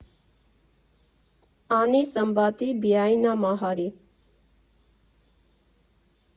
Անի Սմբատի Բիայնա Մահարի։